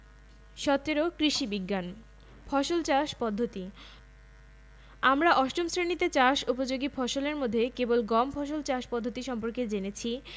রাসায়নিকভাবে বিশ্লেষণ করা হলে সব সময় দুই ভাগ হাইড্রোজেন এবং এক ভাগ অক্সিজেন পাওয়া যাবে অর্থাৎ হাইড্রোজেন ও অক্সিজেনের পরমাণুর সংখ্যার অনুপাত হচ্ছে ২ অনুপাত ১